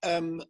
yym